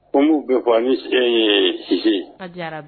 N b'u bɛ fɔ ni sɛgɛn ye sisi